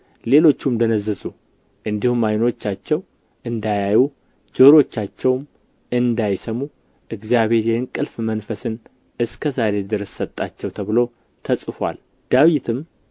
ሌሎቹም ደነዘዙ እንዲሁም ዓይኖቻቸው እንዳያዩ ጆሮቻቸውም እንዳይሰሙ እግዚአብሔር የእንቅልፍ መንፈስን እስከ ዛሬ ድረስ ሰጣቸው ተብሎ ተጽፎአል ዳዊትም